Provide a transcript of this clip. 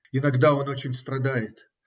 Иногда он очень страдает.